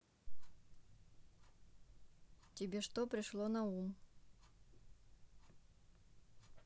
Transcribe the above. тебе что пришло на ум